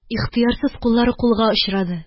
Ихтыярсыз куллары кулга очрады